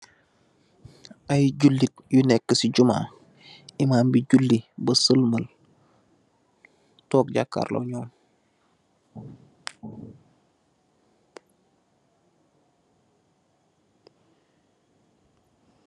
Ay juleet yu neka si juma Imam bi julee beh selmal tog jakarlu nyom.